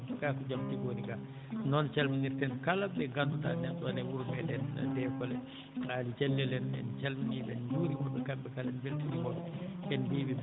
gaa ko jam tigi woni gaa noon calminireten kala ɓe ngannduɗaa nan ɗon e wuro meeɗen * Aly Dialel en en calminii ɓe en njuuriima ɓe kamɓe kala en mbeltaniima ɓe